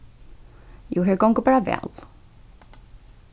jú her gongur bara væl